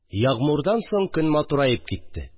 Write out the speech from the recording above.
Ягъмурдан соң көн матураеп китте